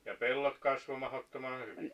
ja pellot kasvoi mahdottoman hyvin